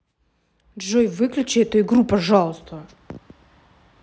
джой выключи эту игру пожалуйста